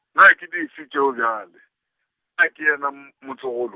na ke dife tšeo bjale, Nakeyena m- motlogolo?